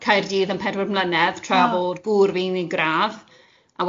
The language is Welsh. Caerdydd am pedwar mlynedd... O ...tra fod gŵr fi'n 'neud gradd, a